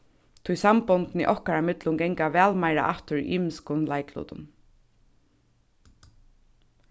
tí sambondini okkara millum ganga væl meira aftur í ymiskum leiklutum